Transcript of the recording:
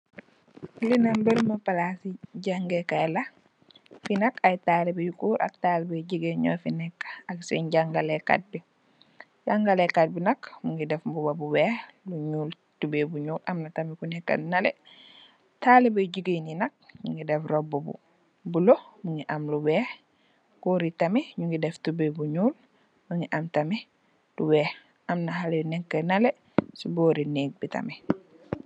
Lii nak bërëbu palaasi jangee kaay la, fii nak, taalube yu goor ak yu jigéen ñoo fi nekkë, ak seen jañgale kat bi, jàngale kat bi nak, mu def mbuba bu weex, lu ñuul, tubooy bu ñuul. Am na tam ku neekë nale. Taalube yu jigéen yi nak, ñu ngi def robbu bu bulo, mu ngi am lu weex, Goor yi tam ñu ngi def tubooy bu ñuul, mu ngi am tamit lu weex, am na xalé yu neeké nale, ci boori neeg bi tamit.